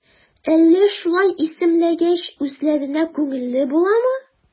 Әллә шулай исемләгәч, үзләренә күңелле буламы?